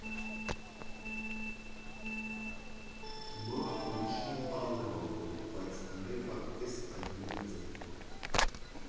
Հիմա ուրիշի տանն եմ ապրում, բայց մեկ ա էս այգին ա ձգում։